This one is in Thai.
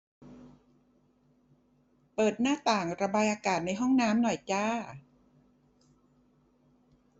เปิดหน้าต่างระบายอากาศในห้องน้ำหน่อยจ้า